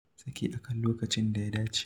3. Saki a kan lokacin da ya dace.